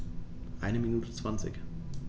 Eine Minute 20